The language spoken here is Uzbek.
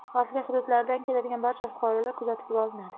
xavfli hududlardan keladigan barcha fuqarolar kuzatuvga olinadi